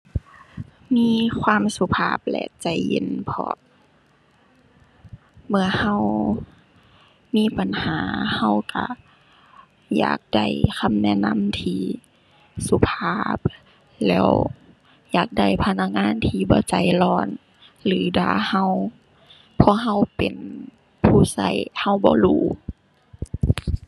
มีความสุภาพและใจเย็น เพราะเมื่อเรามีปัญหาเราเราอยากได้คำแนะนำที่สุภาพแล้วอยากได้พนักงานที่บ่ใจร้อน หรือด่าเรา เพราะเราเป็นผู้เรา เราบ่รู้